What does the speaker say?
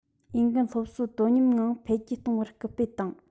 འོས འགན སློབ གསོ དོ མཉམ ངང འཕེལ རྒྱས གཏོང བར སྐུལ སྤེལ དང